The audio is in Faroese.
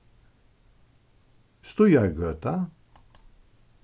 stígargøta